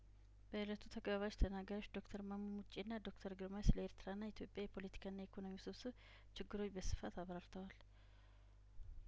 በእለቱ ተጋባዥ ተናጋሪዎች ዶክተር ማሞ ሙጬና ዶክተር ግርማይ ስለኤርትራና ኢትዮጵያ የፖለቲካና የኢኮኖሚ ውስብስብ ችግሮች በስፋት አብራርተዋል